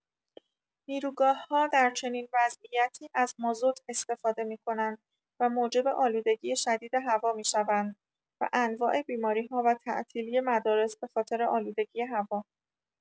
نیروگاه‌ها در چنین وضعیتی از مازوت استفاده می‌کنند و موجب آلودگی شدید هوا می‌شوند و انواع بیماری‌ها و تعطیلی مدارس به‌خاطر آلودگی هوا.